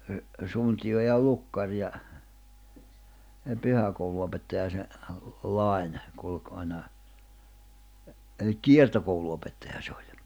- suntio ja lukkari ja pyhäkoulunopettaja se Laine kulki aina eli kiertokoulunopettaja se oli